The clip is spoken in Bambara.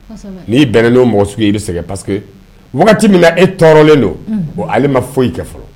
Ni'i bɛnnen' mɔgɔ i bɛ sɛgɛn paseke wagati min na e tɔɔrɔlen don ali ma foyi kɛ fɔlɔ